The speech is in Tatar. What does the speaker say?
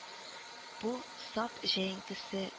Бу сап җәенкесе